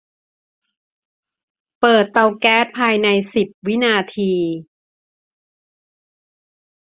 เปิดเตาแก๊สภายในสิบวินาที